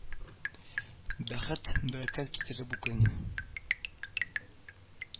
Бәхет, бәрәкәт китерер бу көн